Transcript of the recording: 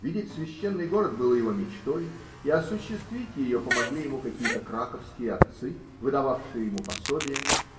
Видеть Священный город было его мечтой, и осуществить ее помогли ему какие-то краковские отцы, выдававшие ему пособие.